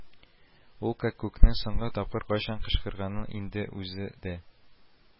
Ул кәккүкнең соңгы тапкыр кайчан кычкырганын инде үзе дә